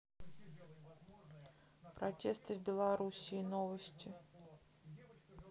протесты в белоруссии новости